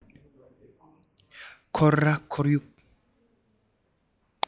ཁོ ར ཁོར ཡུག